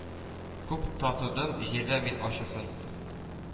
Күп татыдым җирдә мин ачысын